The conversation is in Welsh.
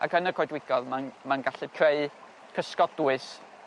Ac yn y coedwigo'dd ma'n mae'n gallu creu cysgod dwys.